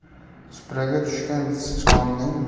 supraga tushgan sichqonning